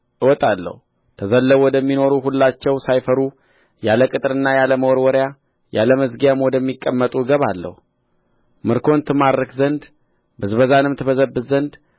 እወጣለሁ ተዘልለው ወደሚኖሩ ሁላቸው ሳይፈሩ ያለ ቅጥርና ያለ መወርወሪያ ያለ መዝጊያም ወደሚቀመጡ እገባለሁ ምርኮን ትማርክ ዘንድ ብዝበዛንም ትበዘብዝ ዘንድ